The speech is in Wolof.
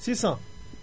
600